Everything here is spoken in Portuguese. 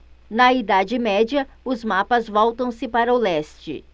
na idade média os mapas voltam-se para o leste